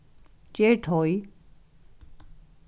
ger teig